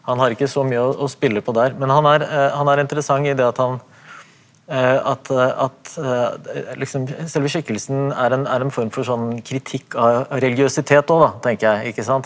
han har ikke så mye å å spille på der, men han er han er interessant i det at han at at liksom selve skikkelsen er en er en form for sånn kritikk av religiøsitet òg da tenker jeg ikke sant.